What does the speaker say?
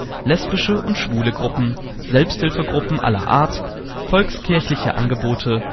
lesbische und schwule Gruppen, Selbsthilfegruppen aller Art, volkskirchliche Angebote